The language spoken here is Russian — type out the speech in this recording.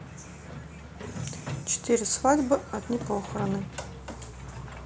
четыре свадьбы одни похороны